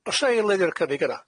O's 'a eilydd i'r cynnig yna?